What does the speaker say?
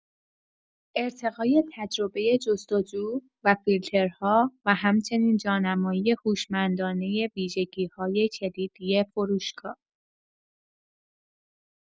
ارتقای تجربۀ جست‌وجو و فیلترها و همچنین جانمایی هوشمندانۀ ویژگی‌های کلیدی فروشگاه